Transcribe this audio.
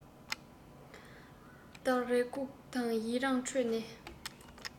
བདག རེ སྒུག དང ཡི རངས ཁྲོད ནས